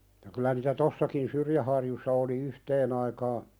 ja kyllä niitä tuossakin Syrjäharjussa oli yhteen aikaan